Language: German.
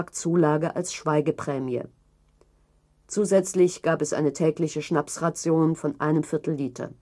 Zulage als Schweigeprämie. Zusätzlich gab es eine tägliche Schnapsration von einem Viertel Liter